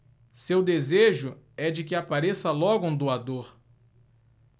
seu desejo é de que apareça logo um doador